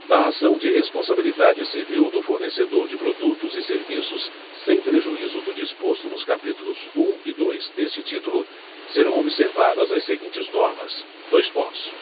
na ação de responsabilidade civil do fornecedor de produtos e serviços sem prejuízo do disposto nos capítulos um e dois deste título serão observadas as seguintes normas dois pontos